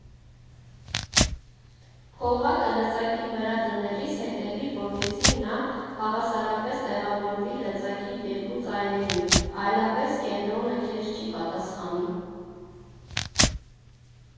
Փողակը լծակի վրա դնելիս հետևի՛ր, որպեսզի նա հավասարապես տեղավորվի լծակի երկու ծայրերին, այլապես կենտրոնը քեզ չի պատասխանի։